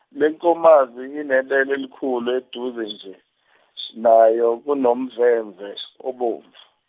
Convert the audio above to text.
lenkomazi inebele elikhulu -duze nje nayo kunomvemve obomvu.